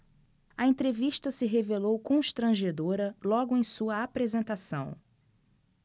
a entrevista se revelou constrangedora logo em sua apresentação